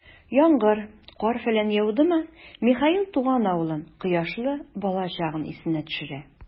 Яңгыр, кар-фәлән яудымы, Михаил туган авылын, кояшлы балачагын исенә төшерә.